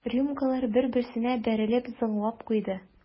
Рюмкалар бер-берсенә бәрелеп зыңлап куйды.